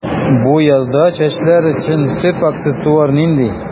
Бу язда чәчләр өчен төп аксессуар нинди?